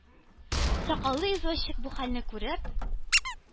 Сакаллы извозчик бу хәлне күреп,